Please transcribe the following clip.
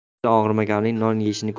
beli og'rimaganning non yeyishini ko'r